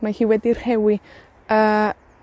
Mae hi wedi rhewi, a,